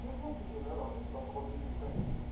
Be dwi yn ffeindio'n ddiddorol ydi bod pobl ddim yn gallu ennill.